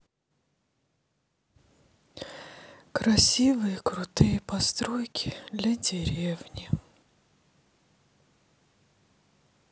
красивые крутые постройки для деревни